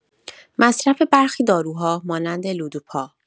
مصرف برخی داروها مانند لوودوپا